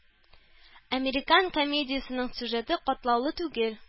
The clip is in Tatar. «американ» комедиясенең сюжеты катлаулы түгел.